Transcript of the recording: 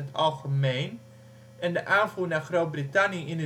algemeen, en de aanvoer naar Groot-Brittannië in